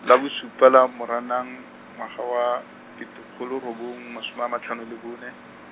la bosupa la Moranang, ngwaga wa, ketekgolo robong, masome a matlhano le bone.